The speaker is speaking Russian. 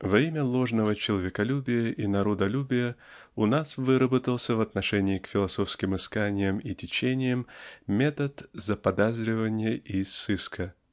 Во имя ложного человеколюбия и народолюбия у нас выработался в отношении к философским исканиям и течениям метод заподозривания и сыска.